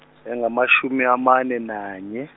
engamashumi amane nanye.